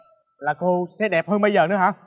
là cô sẽ đẹp hơn bây giờ nữa hả